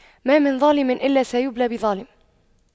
ما من ظالم إلا سيبلى بظالم